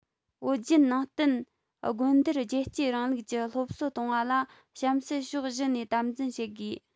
བོད བརྒྱུད ནང བསྟན དགོན སྡེར རྒྱལ གཅེས རིང ལུགས ཀྱི སློབ གསོ གཏོང བ ལ གཤམ གསལ ཕྱོགས བཞི ནས དམ འཛིན བྱེད དགོས